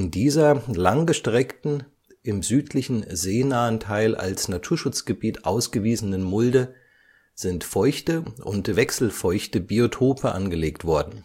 dieser lang gestreckten, im südlichen, seenahen Teil als Naturschutzgebiet ausgewiesenen Mulde sind feuchte und wechselfeuchte Biotope angelegt worden